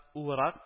Уырак